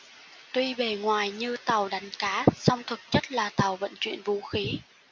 tuy bề ngoài như tàu đánh cá song thực chất là tàu vận chuyển vũ khí